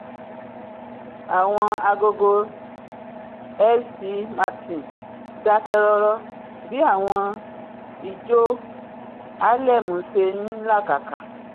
Àwọn Agogo St. Martin dákẹ́rọrọ bí Àwọn Ijò Harlem ̣ṣe n ̀làkàka.